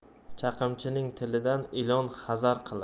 chaqimchining tilidan ilon hazar qilar